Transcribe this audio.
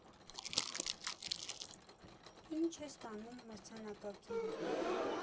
Ի՞նչ է ստանում մրցանակակիրը։